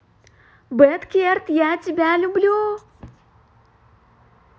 bad керт я тебя люблю